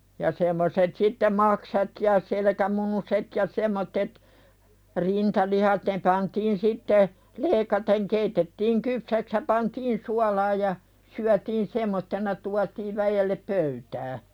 ja semmoiset sitten maksat ja selkämunuset ja semmoiset rintalihat ne pantiin sitten leikaten keitettiin kypsäksi ja pantiin suolaan ja syötiin semmoisena tuotiin väelle pöytään